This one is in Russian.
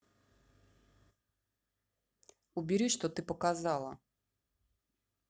убери что ты показала